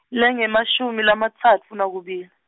lengemashumi lamatsatfu nakubili.